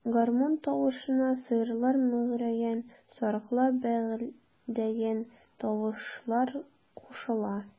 Гармун тавышына сыерлар мөгрәгән, сарыклар бәэлдәгән тавышлар кушыла.